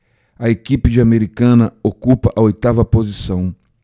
a equipe de americana ocupa a oitava posição